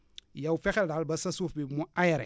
yow fexeel daal ba sa suuf bi mu aéré